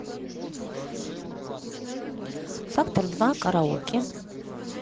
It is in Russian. фактор два караоке